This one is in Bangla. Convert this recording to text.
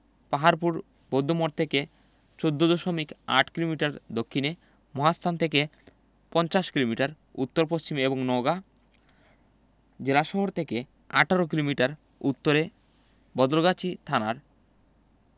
পাহাড়পুর বৌদ্ধমঠ থেকে ১৪দশমিক ৮ কিলোমিটার দক্ষিণে মহাস্থান থেকে পঞ্চাশ কিলোমিটার উত্তর পশ্চিমে এবং নওগাঁ জেলাশহর থেকে ১৮ কিলোমিটার উত্তরে বদলগাছি থানার